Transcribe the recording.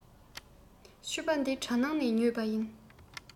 ཕྱུ པ འདི གྲ ནང ནས ཉོས པ ཡིན